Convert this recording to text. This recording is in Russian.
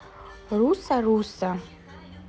россо руссо